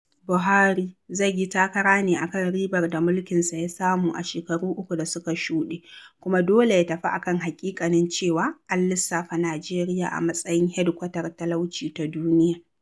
Buhari zai yi takara ne a kan ribar da mulkinsa ya samu a shekaru uku da suka shuɗe kuma dole ya tafi a kan haƙiƙanin cewa an lissafa Najeriya a matsayin hedikwatar talauci ta duniya.